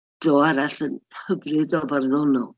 Dro arall yn hyfryd o farddonol.